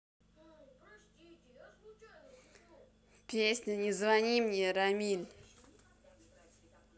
песня не звони мне ramil'